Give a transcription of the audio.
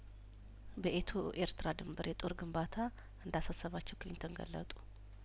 በኢትዮ ኤርትራ ድንበር የጦር ግንባታ እንዳ ሳሰባቸው ክሊንተን ገለጡ